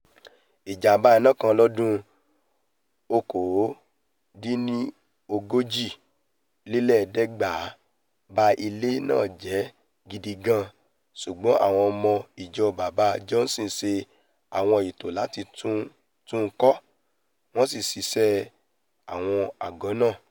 Ìjàm̀bá iná kan lọ́dún 1939 ba ilé na ̀jẹ́ gidigan, ṣùgbọ́n àwọn ọmọ ìjọ Baba Johnson ṣe àwọn ètò láti tún un kọ́, wọ́n sì ṣí àwọn aago nạ́.